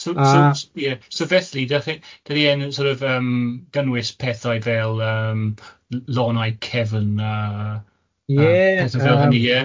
So so ie so felly dach chi dydi e'n sort of yym cynnwys pethau fel yym l- lonnau cefn a a... ie. ...pethau fel hynny ie?